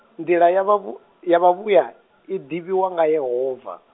nḓila ya vha vhu, ya vha vhuya, iḓivhiwa nga Yehova.